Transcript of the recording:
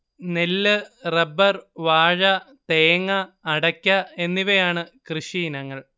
നെല്ല് റബ്ബർ വാഴ തേങ്ങ അടയ്ക്ക എന്നിവയാണ് കൃഷിയിനങ്ങൾ